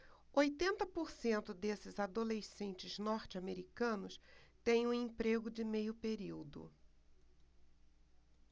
oitenta por cento desses adolescentes norte-americanos têm um emprego de meio período